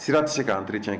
Sira tɛ se' an trec kɛ